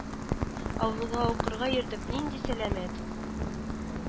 Авылга укырга йөртеп, нинди сәламәт